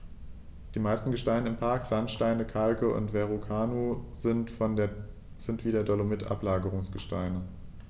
Die meisten Gesteine im Park – Sandsteine, Kalke und Verrucano – sind wie der Dolomit Ablagerungsgesteine.